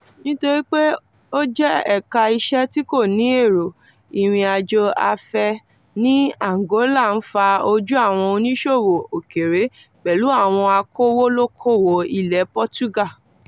Nítorí pé ó jẹ́ ẹ̀ka-iṣẹ́ tí kò ní èrò, ìrìn-àjò afẹ́ ní Angola ń fa ojú àwọn oníṣòwò òkèèrè, pẹ̀lú àwọn akówólókòwò ilẹ̀ Portugal.